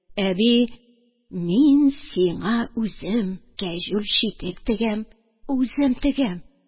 Әби: – Мин сиңа үзем кәҗүл читек тегәм, үзем тегәм